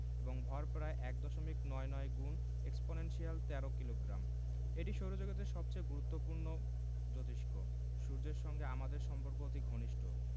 এবং ভর প্রায় এক দশমিক নয় নয় এক্সপনেনশিয়াল ১৩ কিলোগ্রাম এটি সৌরজগতের সবচেয়ে গুরুত্বপূর্ণ জোতিষ্ক সূর্যের সঙ্গে আমাদের সম্পর্ক অতি ঘনিষ্ট